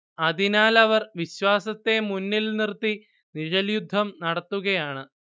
അതിനാൽ അവർ വിശ്വാസത്തെ മുന്നിൽ നിർത്തി നിഴൽയുദ്ധം നടത്തുകയാണ്